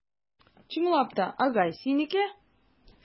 Чынлап та, агай, синеке?